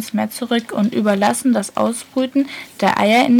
Meer zurück und überlassen das Ausbrüten der Eier